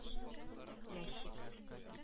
Ящик